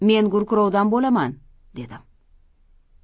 men gurkurovdan bo'laman dedim